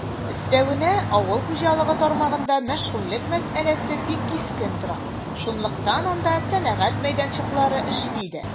Өстәвенә, авыл хуҗалыгы тармагында мәшгульлек мәсьәләсе бик кискен тора, шунлыктан анда сәнәгать мәйданчыклары эшли дә.